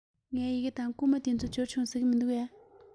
ངའི ཡི གེ དང བསྐུར མ དེ ཚོ འབྱོར བྱུང ཟེར གྱི མི འདུག གས